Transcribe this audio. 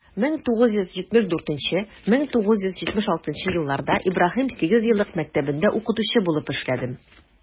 1974 - 1976 елларда ибраһим сигезьеллык мәктәбендә укытучы булып эшләдем.